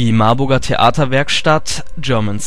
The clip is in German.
Marburger Theaterwerkstatt german